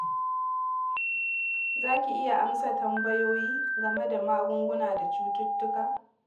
Zaka iya amsa tambayoyi game da magunguna da cututtuka?